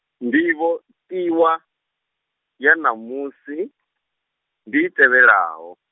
ndivhotiwa, ya ṋamusi, ndi i tevhelaho.